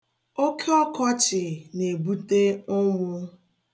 Oke ọkọchị na-ebute ụnwụ.